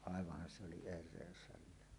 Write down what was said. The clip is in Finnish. aivanhan se oli erehdys hänellä